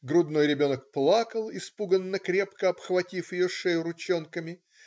Грудной ребенок плакал, испуганно-крепко обхватив ее шею ручонками.